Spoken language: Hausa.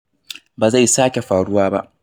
“Ba zai sake faruwa ba”